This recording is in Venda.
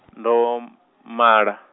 ndo, m- mala.